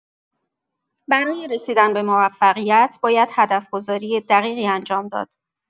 برای رسیدن به موفقیت، باید هدف‌گذاری دقیقی انجام داد.